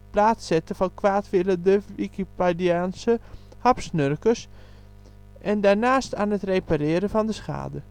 plaats zetten van kwaadwillende Wikipediaanse hapsnurkers, en daarnaast aan het repareren van de schade